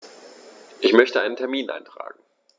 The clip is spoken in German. Ich möchte einen Termin eintragen.